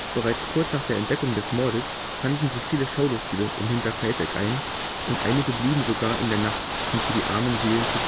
Bereits kurz nach der Entdeckung des Mordes fanden sich viele Schaulustige in Hinterkaifeck ein und einige blieben sogar in der Nacht, um für „ die armen Seelen “zu